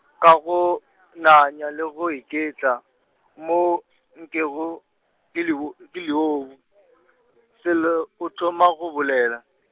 ka go nanya le go iketla, mo nkego ke lebo-, ke leobu, Sello o thoma go bolela.